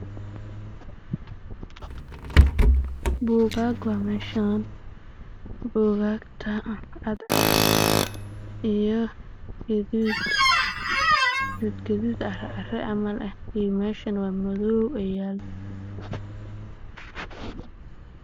Buugaag cada cad waayo